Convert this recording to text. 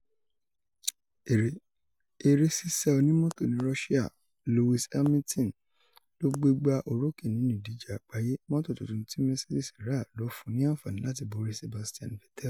Erésísáonímọ́tò ní Russia Lewis Hamilton ló gbégbá orókè nínú ìdíjẹ àgbáyé. Mọ́tò tuntun tí Mercedes ráà ló fún ní àǹfààní láti borí Sebastian Vettel.